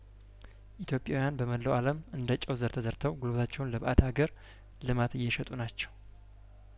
ኢትዮጵያውያን በመላው አለም እንደጨው ዘር ተዘርተው ጉልበታቸውን ለባእድ አገር ልማት እየሸጡ ናቸው